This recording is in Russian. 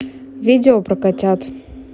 видео про котят